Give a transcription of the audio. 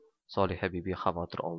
solihabibi xavotir oldi